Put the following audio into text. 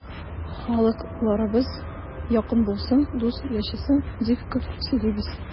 Халыкларыбыз якын булсын, дус яшәсен дип күп сөйлибез.